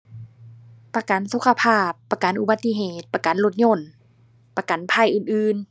ประกันสุขภาพ ประกันอุบัติเหตุ ประกันรถยนต์ ประกันภัยอื่นอื่น